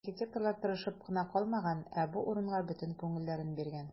Архитекторлар тырышып кына калмаган, ә бу урынга бөтен күңелләрен биргән.